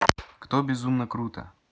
кто безумно круто